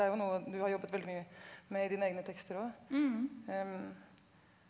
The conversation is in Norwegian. det er jo noe du har jobbet veldig mye med i dine egne tekster òg .